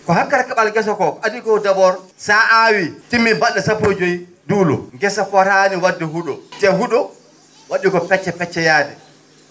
ko hokkata ke?al ngesa koo adii koo d' abord so a aawii timmii bal?e sappo e joyi nduulo ngesa fotaani wa?de hu?o te hu?o wa?i ko pecce pecce yaade